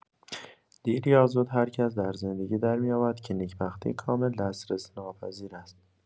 دیر یا زود، هرکس در زندگی درمی‌یابد که نیکبختی کامل دسترس‌ناپذیر است.